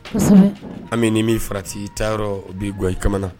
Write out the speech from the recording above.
Hali ni min farati ta yɔrɔ o bi ga i ka